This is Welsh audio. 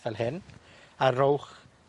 fel hyn, a rowch